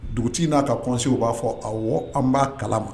Dugutigi in n'a ka kɔso u b'a fɔ a wɔɔrɔ an'a kala ma